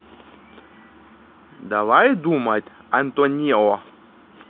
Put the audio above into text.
давай думать антонио